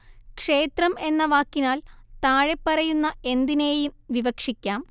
ക്ഷേത്രം എന്ന വാക്കിനാൽ താഴെപ്പറയുന്ന എന്തിനേയും വിവക്ഷിക്കാം